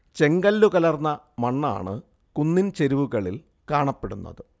ചെങ്കല്ലു കലർന്ന മണ്ണാണ് കുന്നിൻ ചെരുവുകളിൽ കാണപ്പെടുന്നത്